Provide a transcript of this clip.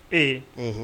Ee! Unhun!